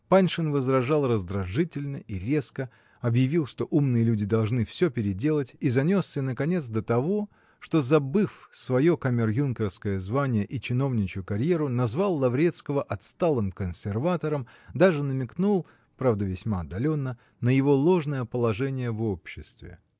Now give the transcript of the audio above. Паншин возражал раздражительно и резко, объявил, что умные люди должны все переделать, и занесся, наконец, до того, что, забыв свое камер-юнкерское звание и чиновничью карьеру, назвал Лаврецкого отсталым консерватором, даже намекнул -- правда, весьма отдаленно -- на его ложное положение в обществе.